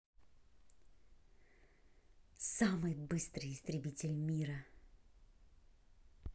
самый быстрый истребитель мира